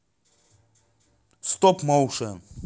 стоп моушен